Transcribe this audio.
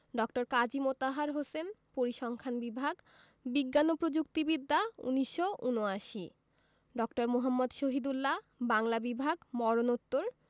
ড. কাজী মোতাহার হোসেন পরিসংখ্যান বিভাগ বিজ্ঞান ও প্রযুক্তি বিদ্যা ১৯৭৯ ড. মুহম্মদ শহীদুল্লাহ বাংলা বিভাগ মরণোত্তর